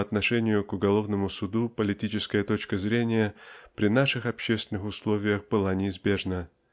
по отношению к уголовному суду политическая точка зрения при наших общественных условиях была неизбежна.